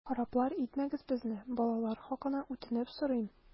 Хараплар итмәгез безне, балалар хакына үтенеп сорыйм!